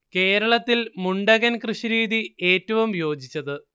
കേരളത്തിൽ മുണ്ടകൻ കൃഷി രീതി ഏറ്റവും യോജിച്ചത്